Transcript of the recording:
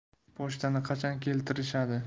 pochtani qachon keltirishadi